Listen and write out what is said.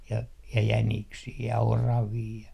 ja jäniksiä ja oravia ja